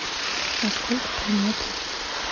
а сколько планета